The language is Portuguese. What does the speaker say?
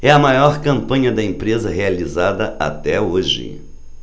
é a maior campanha da empresa realizada até hoje